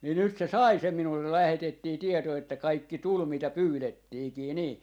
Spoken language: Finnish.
niin nyt se sai sen minulle lähetettiin tieto että kaikki tuli mitä pyydettiinkin niin